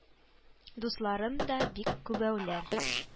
Дусларым да бик күбәүләр